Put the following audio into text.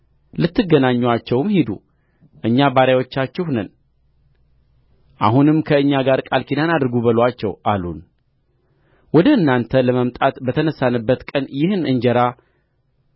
ልትገናኙአቸውም ሂዱ እኛ ባሪያዎቻችሁ ነን አሁንም ከእኛ ጋር ቃል ኪዳን አድርጉ በሉአቸው አሉን ወደ እናንተ ለመምጣት በተነሣንበት ቀን ይህን እንጀራ